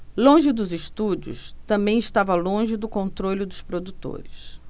longe dos estúdios também estava longe do controle dos produtores